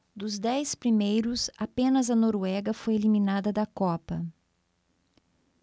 dos dez primeiros apenas a noruega foi eliminada da copa